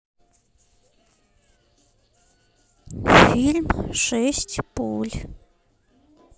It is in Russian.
фильм шесть пуль